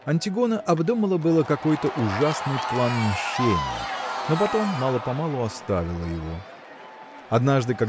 Антигона обдумала было какой-то ужасный план мщения но потом мало-помалу оставила его. Однажды